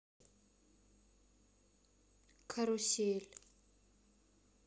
карусель